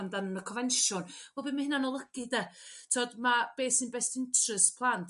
amdan yn y cofensiwn wel be ma hyna'n ei olygu de? t'od ma' be sy'n best interest plant